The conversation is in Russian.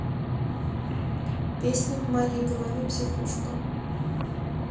песня в моей голове психушка